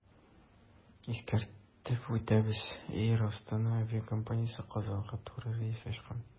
Искәртеп үтәбез, “Эйр Астана” авиакомпаниясе Казанга туры рейс ачкан.